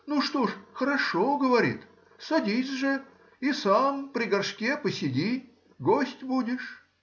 — Ну что же, хорошо,— говорит,— садись же и сам при горшке посиди — гость будешь.